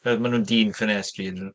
Fel maen nhw'n dyn ffenestri, ond 'dyn nhw.